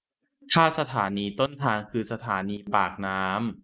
ถ้าสถานีต้นทางคือสถานีปากน้ำ